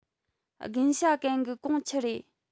དགུན ཞྭ གན གི གོང ཆི རེད